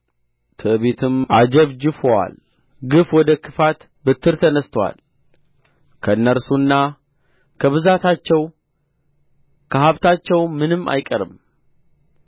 ትዕቢትም አጅብጅፎአል ግፍ ወደ ክፋት ብትር ተነስቶአል ከእነርሱና ከብዛታቸው ከሀብታቸውም ምንም አይቀርም